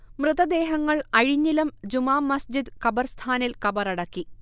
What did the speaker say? മൃതദേഹങ്ങൾ അഴിഞ്ഞിലം ജുമാ മസ്ജിദ് കബർസ്ഥാനിൽ കബറടക്കി